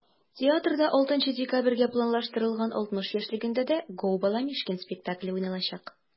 Театрда 6 декабрьгә планлаштырылган 60 яшьлегендә дә “Gо!Баламишкин" спектакле уйналачак.